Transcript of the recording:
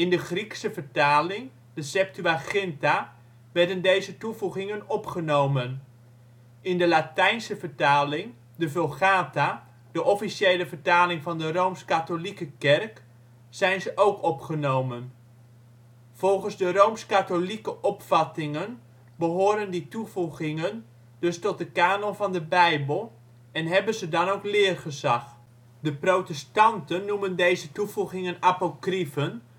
de Griekse vertaling, de Septuaginta, werden deze toevoegingen opgenomen. In de Latijnse vertaling, de Vulgata (de officiële vertaling van de Room-katholieke Kerk) zijn ze ook opgenomen. Volgens de rooms-katholieke opvattingen behoren die toevoegingen dus tot de canon van de Bijbel en hebben ze dan ook leergezag. De protestanten noemen deze toevoegingen apocriefen